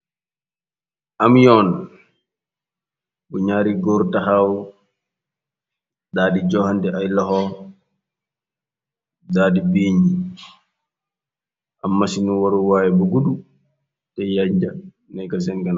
Am yoon bu ñaari góor taxaaw daadi joxante ay loxo daadi piiñ yi amma sinu waruwaaye bu gudu te yanja nek seengn.